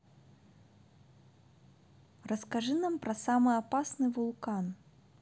расскажи нам про самый опасный вулкан